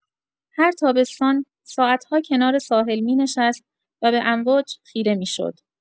هر تابستان، ساعت‌ها کنار ساحل می‌نشست و به امواج خیره می‌شد.